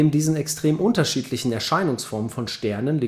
diesen extrem unterschiedlichen Erscheinungsformen von Sternen